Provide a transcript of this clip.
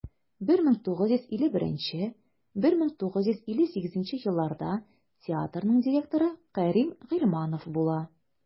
1951-1958 елларда театрның директоры кәрим гыйльманов була.